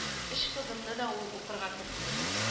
Өч кызымны да ул укырга кертте